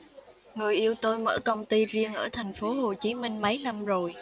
người yêu tôi mở công ty riêng ở thành phố hồ chí minh mấy năm rồi